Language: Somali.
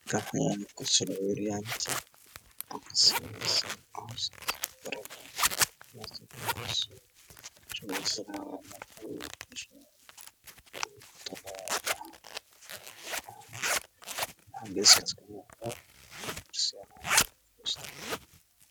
Meesha maxaa yeelo baaskiilka uu ku socdo qofka cuuryaanka ah oo lugaha ka go-an